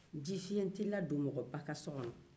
jifiɲɛ tɛ lado mɔgɔ ba ka sokɔnɔ